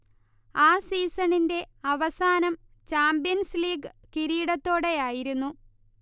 ആ സീസണിന്റെ അവസാനം ചാമ്പ്യൻസ് ലീഗ് കിരീടത്തോടെയായിരുന്നു